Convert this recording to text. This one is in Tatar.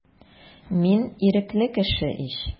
Мин ирекле кеше ич.